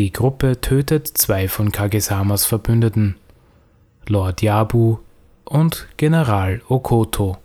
Gruppe tötet zwei von Kage-samas Verbündeten, Lord Yabu und General Okkoto